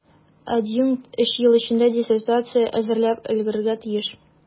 Адъюнкт өч ел эчендә диссертация әзерләп өлгерергә тиеш.